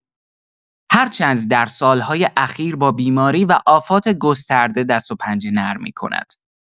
هرچند در سال‌های اخیر با بیماری و آفات گسترده دست و پنجه نرم می‌کند.